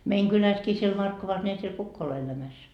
meidän kylässäkin siellä Markkovassa niin ei siellä kukaan ole elämässä